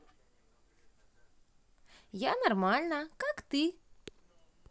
я нормально как ты